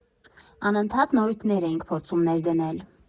Անընդհատ նորույթներ էինք փորձում ներդնել։